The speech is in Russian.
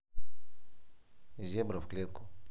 зебра в клетку